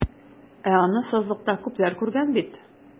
Ә аны сазлыкта күпләр күргән бит.